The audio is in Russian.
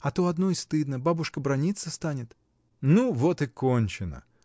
А то одной стыдно: бабушка браниться станет. — Ну вот и кончено!